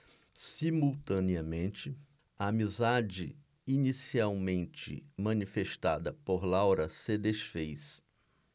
simultaneamente a amizade inicialmente manifestada por laura se disfez